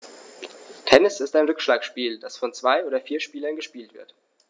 Tennis ist ein Rückschlagspiel, das von zwei oder vier Spielern gespielt wird.